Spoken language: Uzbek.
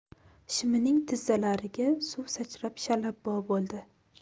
shimining tizzalariga suv sachrab shalabbo bo'ldi